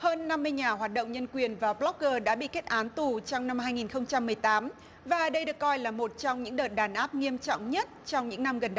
hơn năm mươi nhà hoạt động nhân quyền và bờ lốc gơ đã bị kết án tù trong năm hai nghìn không trăm mười tám và đây được coi là một trong những đợt đàn áp nghiêm trọng nhất trong những năm gần